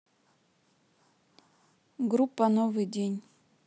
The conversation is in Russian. группа новый день